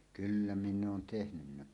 kyllä minä olen tehnyt